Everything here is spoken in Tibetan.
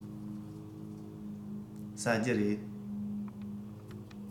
ཟ རྒྱུ རེད